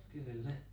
kyllä